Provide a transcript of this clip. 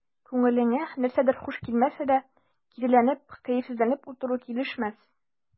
Күңелеңә нәрсәдер хуш килмәсә дә, киреләнеп, кәефсезләнеп утыру килешмәс.